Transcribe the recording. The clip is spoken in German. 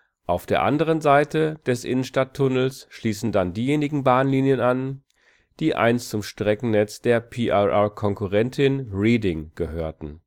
Auf der anderen Seite des Innenstadttunnels schließen dann diejenigen Bahnlinien an, die einst zum Streckennetz der PRR-Konkurrentin Reading gehörten